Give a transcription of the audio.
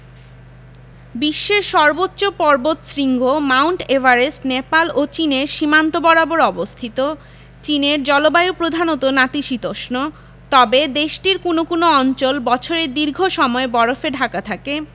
বিশ্বের সর্বোচ্চ পর্বতশৃঙ্গ মাউন্ট এভারেস্ট নেপাল ও চীনের সীমান্ত বরাবর অবস্থিত চীনের জলবায়ু প্রধানত নাতিশীতোষ্ণ তবে দেশটির কোনো কোনো অঞ্চল বছরের দীর্ঘ সময় বরফে ঢাকা থাকে